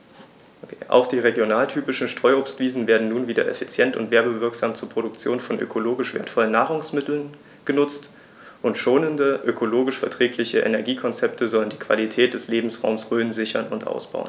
Auch die regionaltypischen Streuobstwiesen werden nun wieder effizient und werbewirksam zur Produktion von ökologisch wertvollen Nahrungsmitteln genutzt, und schonende, ökologisch verträgliche Energiekonzepte sollen die Qualität des Lebensraumes Rhön sichern und ausbauen.